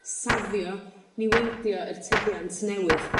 safio niweidio yr tyfiant newydd.